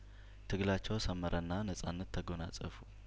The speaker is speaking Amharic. ትግላቸው ሰመረና ነጻነት ተጐናጸፉ